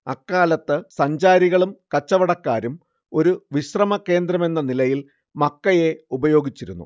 അക്കാലത്ത് സഞ്ചാരികളും കച്ചവടക്കാരും ഒരു വിശ്രമ കേന്ദ്രമെന്ന നിലയിൽ മക്കയെ ഉപയോഗിച്ചിരുന്നു